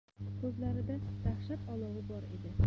ko'zlarida dahshat olovi bor edi